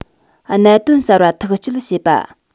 གནད དོན གསར བ ཐག གཅོད བྱེད པ